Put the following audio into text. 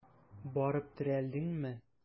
Барып терәлдеңме?